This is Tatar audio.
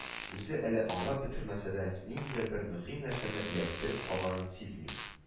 Үзе әле аңлап бетермәсә дә, ниндидер бер мөһим нәрсәне эләктереп алганын сизми